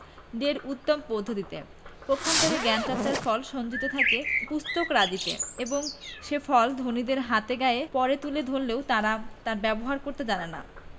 ঢের উত্তম পদ্ধতিতে পক্ষান্তরে জ্ঞানচর্চার ফল সঞ্চিত থাকে পুস্তকরাজিতে এবং সে ফল ধনীদের হাতে গায়ে পড়ে তুলে ধরলেও তারা তার ব্যবহার করতে জানে না